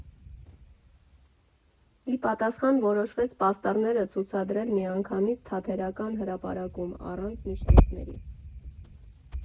Ի պատասխան որոշվեց պաստառները ցուցադրել միանգամից Թատերական հրապարակում, առանց միջնորդների։